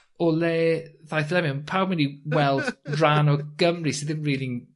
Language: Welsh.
o le ddaeth Lemmy. pawb myn' i weld ran o Gymru sy ddim rili'n